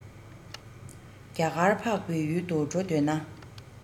རྒྱ གར འཕགས པའི ཡུལ དུ འགྲོ འདོད ན